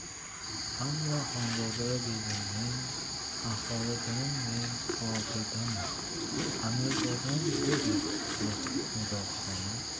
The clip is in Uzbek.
ammo xonzoda begimning ahvolidan men xavotirdamen amirzodam dedi qutlug' nigor xonim